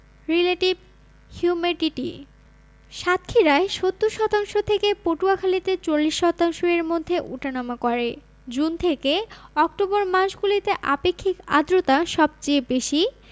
relative humidity সাতক্ষীরায় ৭০ শতাংশ থেকে পটুয়াখালীতে ৪০ শতাংশ এর মধ্যে উঠানামা করে জুন থেকে অক্টোবর মাসগুলিতে আপেক্ষিক আর্দ্রতা সবচেয়ে বেশি